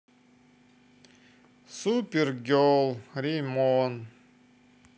супергел ремон